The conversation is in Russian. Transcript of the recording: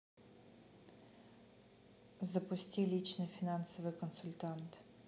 запусти личный финансовый консультант